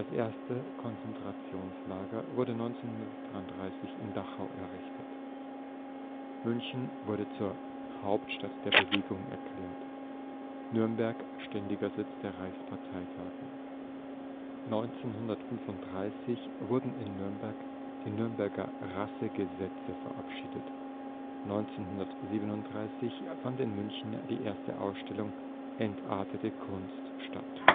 erste Konzentrationslager wurde 1933 in Dachau eingerichtet. München wurde zur „ Hauptstadt der Bewegung “erklärt, Nürnberg ständiger Sitz der Reichsparteitage. 1935 wurden in Nürnberg die Nürnberger Rassegesetze verabschiedet. 1937 fand in München die erste Ausstellung „ Entartete Kunst “statt